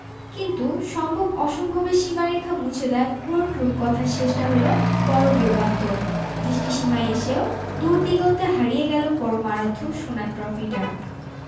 কিন্তু সম্ভব অসম্ভবের সীমারেখা মুছে দেয়া ক্রোট রূপকথার শেষটা হল বড় বিয়োগান্তক দৃষ্টিসীমায় এসেও দূরদিগন্তে হারিয়ে গেল পরম আরাধ্য সোনার ট্রফিটা